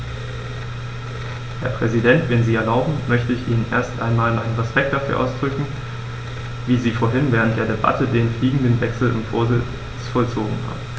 Herr Präsident, wenn Sie erlauben, möchte ich Ihnen erst einmal meinen Respekt dafür ausdrücken, wie Sie vorhin während der Debatte den fliegenden Wechsel im Vorsitz vollzogen haben.